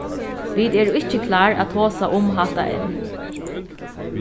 vit eru ikki klár at tosa um hatta enn